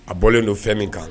A bɔlen don fɛn min kan